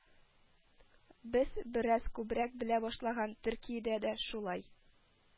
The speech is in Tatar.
Без бераз күбрәк белә башлаган Төркиядә дә шулай